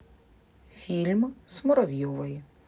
фильм с муравьевой